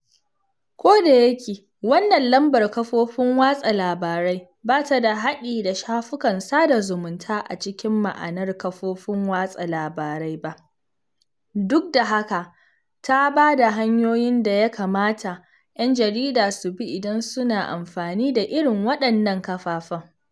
Ko da yake wannan lambar kafofin watsa labarai ba ta da haɗi da shafukan sada zumunta a cikin ma'anar kafofin watsa labarai ba, duk da haka ta ba da hanyoyin da ya kamata 'yan jarida su bi idan suna amfani da irin waɗannan kafafen.